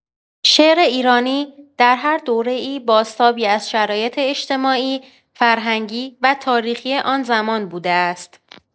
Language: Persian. شعر ایرانی در هر دوره‌ای بازتابی از شرایط اجتماعی، فرهنگی و تاریخی آن‌زمان بوده است.